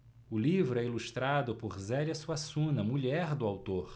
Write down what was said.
o livro é ilustrado por zélia suassuna mulher do autor